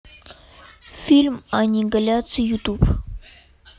фильм аннигиляция ютуб